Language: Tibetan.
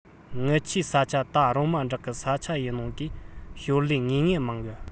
ངུ ཆའི ས ཆ ད རོང མ འབྲོག གི ས ཆ ཡིན ནོ གིས ཞོར ལས ངེས ངེས མང གི